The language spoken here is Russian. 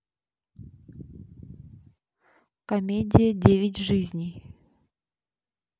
комедия девять жизней